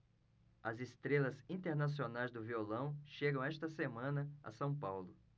as estrelas internacionais do violão chegam esta semana a são paulo